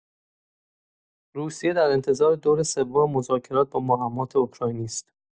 روسیه در انتظار دور سوم مذاکرات با مقامات اوکراینی است.